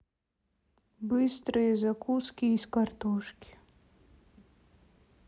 быстрые закуски из картошки